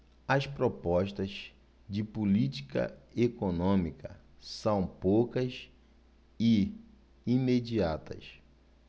as propostas de política econômica são poucas e imediatas